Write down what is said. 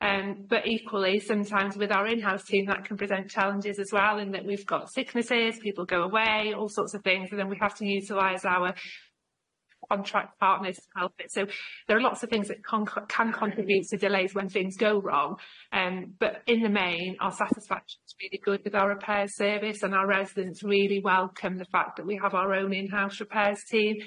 Yym but equally sometimes with our in-house team that can present challenges as well in that we've got sicknesses, people go away, all sorts of things and then we have to utilise our on-track partners to help it. So there are lots of things that con- c- can contribute to delays when things go wrong um but in the main our satisfaction's really good with our repairs service and our residents really welcome the fact that we have our own in-house repairs team.